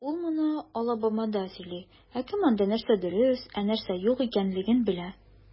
Ул моны Алабамада сөйли, ә кем анда, нәрсә дөрес, ә нәрсә юк икәнлеген белә?